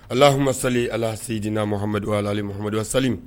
Alaha sa alasedina mamadu alamaduali